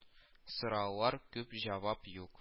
Сораулар күп җавап юк